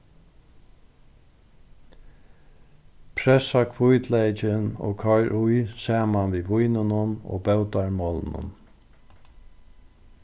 pressa hvítleykin og koyr í saman við víninum og bótarmolunum